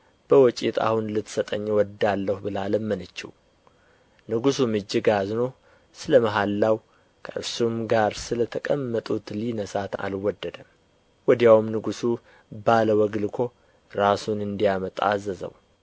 በወጭት አሁን ልትሰጠኝ እወዳለሁ ብላ ለመነችው ንጉሡም እጅግ አዝኖ ስለ መሐላው ከእርሱም ጋር ስለ ተቀመጡት ሊነሣት አልወደደም ወዲያውም ንጉሡ ባለ ወግ ልኮ ራሱን እንዲያመጣ አዘዘው